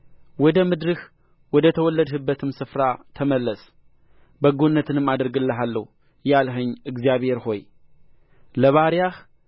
ወደ ምድርህ ወደ ተወለድህበትም ስፍራ ተመለስ በጎነትንም አደርግልሃለሁ ያልኸኝ እግዚአብሔር ሆይ ለባሪያህ